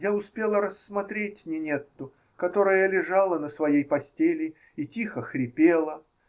Я успела рассмотреть Нинетту, которая лежала на своей постели и тихо хрипела.